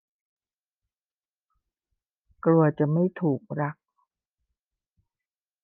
กลัวจะไม่ถูกรัก